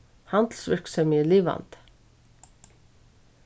handilsvirksemið er livandi